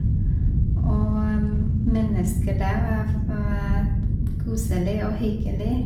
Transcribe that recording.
Og mennesker der var f var koselig og hyggelig.